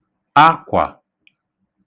akwà